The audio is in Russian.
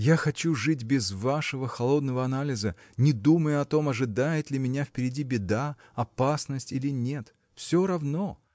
Я хочу жить без вашего холодного анализа не думая о том ожидает ли меня впереди беда опасность или нет – все равно!.